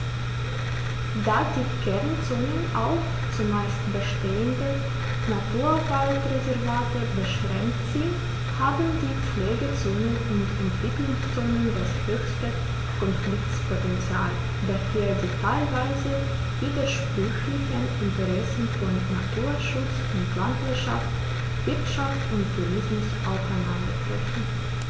Da die Kernzonen auf – zumeist bestehende – Naturwaldreservate beschränkt sind, haben die Pflegezonen und Entwicklungszonen das höchste Konfliktpotential, da hier die teilweise widersprüchlichen Interessen von Naturschutz und Landwirtschaft, Wirtschaft und Tourismus aufeinandertreffen.